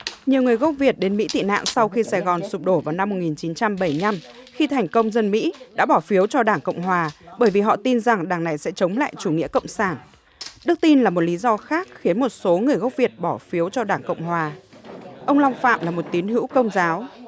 nhiều người gốc việt đến mỹ tị nạn sau khi sài gòn sụp đổ vào năm một nghìn chín trăm bảy nhăm khi thành công dân mỹ đã bỏ phiếu cho đảng cộng hòa bởi vì họ tin rằng đảng này sẽ chống lại chủ nghĩa cộng sản đức tin là một lý do khác khiến một số người gốc việt bỏ phiếu cho đảng cộng hòa ông long phạm là một tín hữu công giáo